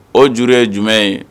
O juru ye jumɛn ye